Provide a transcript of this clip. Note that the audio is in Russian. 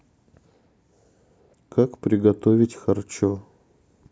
как приготовить харчо